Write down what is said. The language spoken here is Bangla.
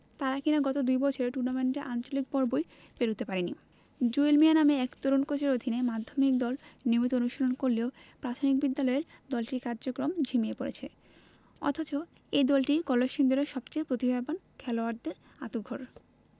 তারা কিনা গত দুই বছরে টুর্নামেন্টের আঞ্চলিক পর্বই পেরোতে পারেনি জুয়েল মিয়া নামের এক তরুণ কোচের অধীনে মাধ্যমিক দল নিয়মিত অনুশীলন করলেও প্রাথমিক বিদ্যালয়ের দলটির কার্যক্রম ঝিমিয়ে পড়েছে অথচ এই দলটিই কলসিন্দুরের সবচেয়ে প্রতিভাবান খেলোয়াড়দের আঁতুড়ঘর